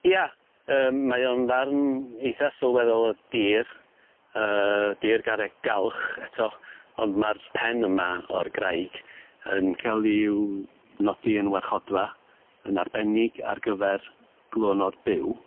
Ia yym mae o'n ddarn eitha sylweddol o dir yy dir garreg galch eto ond ma'r pen yma o'r graig yn ca'l i'w nodi yn warchodfa yn arbennig ar gyfer glonod byw.